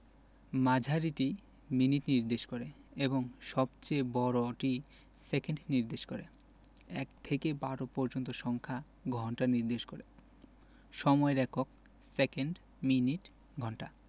মাঝারিটি মিনিট নির্দেশ করে এবং সবচেয়ে বড়টি সেকেন্ড নির্দেশ করে ১ থেকে ১২ পর্যন্ত সংখ্যা ঘন্টা নির্দেশ করে সময়ের এককঃ সেকেন্ড মিনিট ঘন্টা